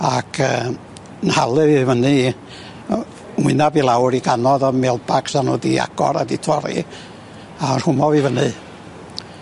ac yy yn haflu fi i fyny i yy wynab i lawr i ganodd o mail bags o'n n'w di agor a di torri a rhwmo fi fyny